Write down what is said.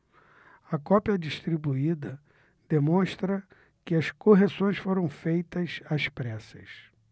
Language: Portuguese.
a cópia distribuída demonstra que as correções foram feitas às pressas